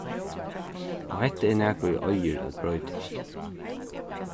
og hetta er nakað ið eigur at broytast